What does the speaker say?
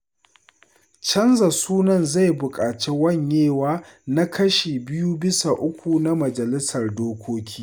Canza sunan zai buƙaci wan yawa na kashi biyu bisa uku na majalisar dokokin.